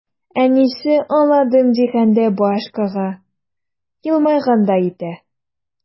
Әнисе, аңладым дигәндәй баш кага, елмайгандай итә.